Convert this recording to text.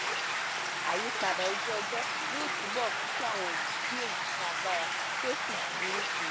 Àyípadà ojú-ọjọ́ yóò túbọ̀ mú kí àwọn ìjì bíi èyí ní agbára kí ó sì burú síi.